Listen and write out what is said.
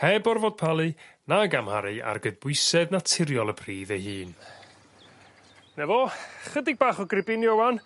heb orfod palu nag amharu ar gydbwysedd naturiol y pridd ei hun. 'Na fo chydig bach o gribinio ŵan